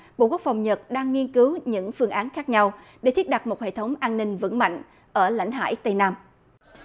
bộ quốc phòng nhật đang nghiên cứu những phương án khác nhau để thiết đặt một hệ thống an ninh vững mạnh ở lãnh hải tây nam